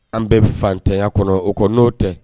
An bɛ fantanya kɔnɔ o kɔnɔ n'o tɛ